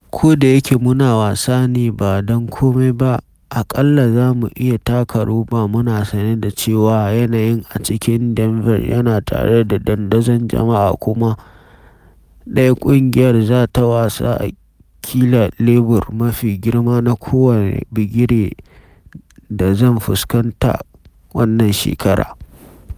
“Kodayake muna wasa ne ba dan kome ba, aƙalla za mu iya taka roba muna sane da cewa yanayin a cikin Denver yana tare da dandazon jama’a kuma ɗaya ƙungiyar za ta wasa a kila lebur mafi girma na kowane bigire da zan fuskanta wannan shekara.